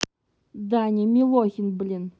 даня милохин блин